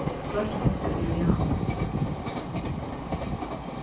svartifossur er í havn